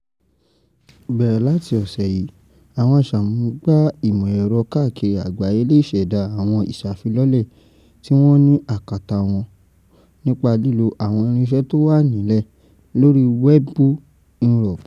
Bẹ́rẹ̀ láti ọ̀ṣẹ̀ yìí, àwọn aṣàmúàgbà ìmọ̀ ẹ̀rọ káàkiri àgbáyé le ṣẹ̀dá àwọn ìṣàfilọ́lẹ̀ tiwọ́n ní àkàtà wọ́n nípa lílo àwọn irínṣẹ́ tó wà nílẹ̀ lórí wẹ́ẹ̀bù Inrupt.